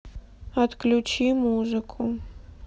отключи музыку